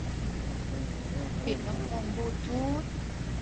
ปิดลำโพงบลูทูธ